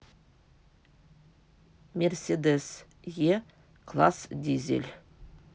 мерседес е класс дизель